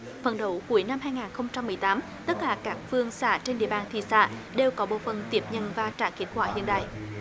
phấn đấu cuối năm hai ngàn không trăm mười tám tất cả các phường xã trên địa bàn thị xã đều có bộ phận tiếp nhận và trả kết quả hiện đại